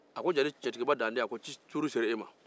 a ko jeli tiɲɛtigiba dantɛ a ko tuuru sera e ma